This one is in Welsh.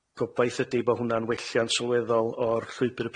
a- a- a'r gobaith ydi bo' hwnna'n welliant sylweddol o'r llwybr